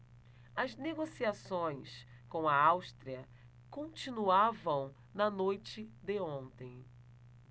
as negociações com a áustria continuavam na noite de ontem